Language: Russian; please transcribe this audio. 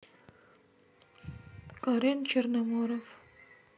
карен черноморов